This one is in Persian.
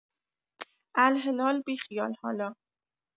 الهلال بیخیال حالا.